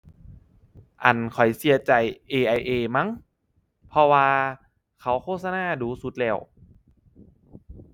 อั่น ข้อยเชื่อใจ AIA มั้ง เพราะว่าเขาโฆษณาดู๋สุดแล้ว